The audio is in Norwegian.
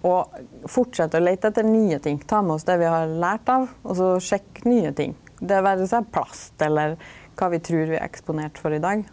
og fortsett å leita etter nye ting ta med oss det vi har lært av og så sjekka nye ting, det vere seg plast, eller kva vi trur vi har eksponert for i dag.